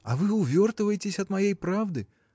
— А вы увертываетесь от моей правды!